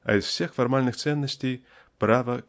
А из всех формальных ценностей право